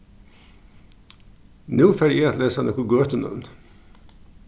nú fari eg at lesa nøkur gøtunøvn